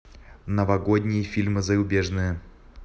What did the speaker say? новогодние фильмы зарубежные